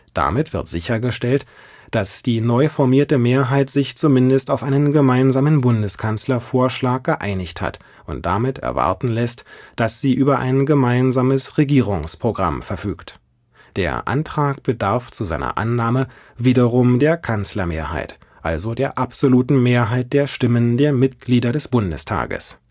Damit wird sichergestellt, dass die neu formierte Mehrheit sich zumindest auf einen gemeinsamen Bundeskanzlervorschlag geeinigt hat und damit erwarten lässt, dass sie über ein gemeinsames Regierungsprogramm verfügt. Der Antrag bedarf zu seiner Annahme wiederum der Kanzlermehrheit, also der absoluten Mehrheit der Stimmen der Mitglieder des Bundestages